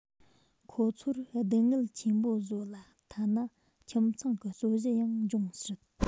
ཁོ ཚོར སྡུག བསྔལ ཆེན པོ བཟོ ལ ཐ ན ཁྱིམ ཚང གི རྩོད གཞི ཡང འབྱུང སྲིད